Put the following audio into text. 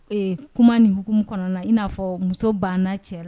Ee kuma ni hkumu kɔnɔna na i n'a fɔ muso banna cɛ